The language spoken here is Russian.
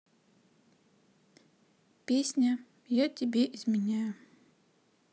песня я тебе изменяю